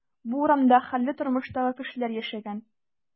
Бу урамда хәлле тормыштагы кешеләр яшәгән.